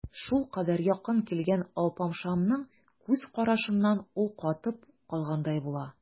Шулкадәр якын килгән алпамшаның күз карашыннан ул катып калгандай булды.